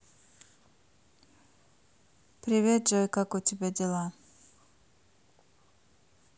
привет джой как у тебя дела